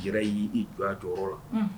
Ji yi jɔ tɔɔrɔ la